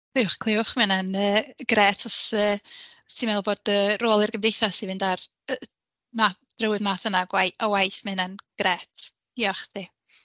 Clywch, clywch, mae hynna'n yy grêt os yy os ti'n meddwl bod, yy, rôl i'r Gymdeithas i fynd ar d- ma- drywydd math yna o gw- o waith. Ma' hynna'n grêt. Diolch i chdi.